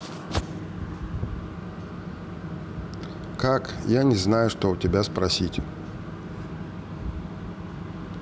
как я не знаю что у тебя спросить